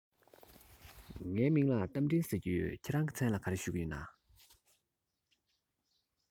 ངའི མིང ལ རྟ མགྲིན ཟེར གྱི ཡོད ཁྱེད རང གི མཚན ལ གང ཞུ གི ཡོད ན